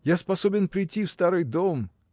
Я способен прийти в старый дом.